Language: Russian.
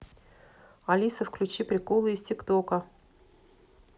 алиса включи приколы из тик тока